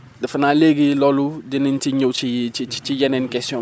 defe naa léegi loolu dinañ ci ñëw ci ci ci yeneen questions